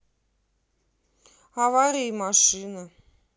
аварии машины